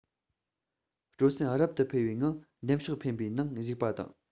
སྤྲོ སེམས རབ ཏུ འཕེལ བའི ངང འདེམས ཤོག འཕེན པའི ནང ཞུགས པ དང